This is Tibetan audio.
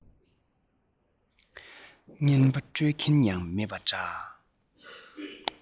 རྔན པ སྤྲོད མཁན ཡང མེད པ འདྲ